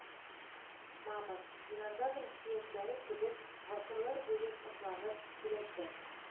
Мамонт, динозавр сөякләре кебек гасырлар буе сакланып, киләчәк